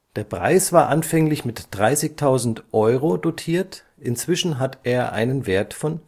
Der Preis war anfänglich mit 30.000 Euro dotiert, inzwischen hat er einen Wert von